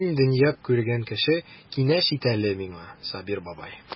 Син дөнья күргән кеше, киңәш ит әле миңа, Сабир бабай.